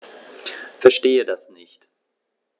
Verstehe das nicht.